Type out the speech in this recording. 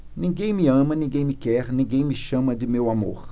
ninguém me ama ninguém me quer ninguém me chama de meu amor